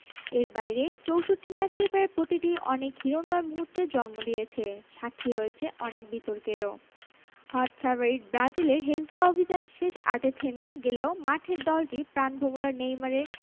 এর বাইরে ৬৪ ম্যাচের প্রায় প্রতিটিই অনেক হিরণ্ময় মুহূর্তের জন্ম দিয়েছে সাক্ষী হয়েছে অনেক বিতর্কেরও হট ফেভারিট ব্রাজিলের হেক্সা অভিযান শেষ আটে থেমে গেলেও মাঠে দলটির প্রাণভোমরা নেইমারের